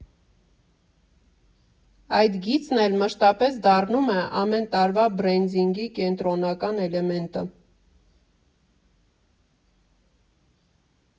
Այդ գիծն էլ մշտապես դառնում է ամեն տարվա բրենդինգի կենտրոնական էլեմենտը։